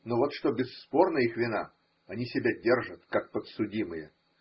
Но вот что бесспорно их вина: они себя держат, как подсудимые.